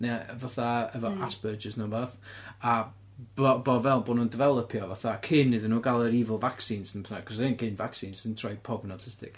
Neu fatha efo... Mm. ...aspergers neu wbath, a bo' bo' fel bod nhw'n defelypio, fatha cyn iddyn nhw gael yr evil vaccines neu be bynnag, achos oedd hyn cyn vaccines sy'n troi pawb yn autistic.